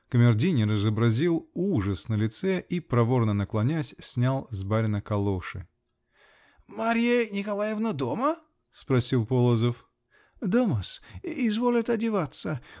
Камердинер изобразил ужас на лице -- и, проворно наклонясь, снял с барина калоши. -- Марья Николаевна дома? -- спросил Полозов. -- Дома-с. Изволят одеваться.